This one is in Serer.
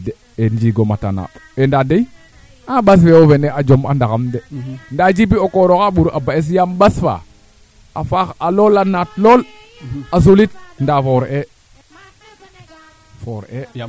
so kaa yooy to andaam me jire jaam mbila xoola keete tekitna rek ten refu yee ñaama gooñ no njind ne soo o yaalum a jeg sañ sañ faa te supit na gooñ a jikwiiidin